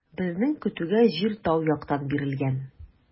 Безнең көтүгә җир тау яктан бирелгән.